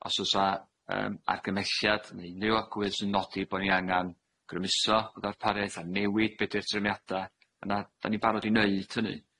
os o's 'a yym argymelliad neu unryw agwedd sy'n nodi bo' ni angan grymuso y ddarpariaeth, a newid be' 'di'r trefniada, yna 'dan ni barod i neud hynny.